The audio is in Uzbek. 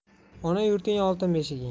ona yurting oltin beshiging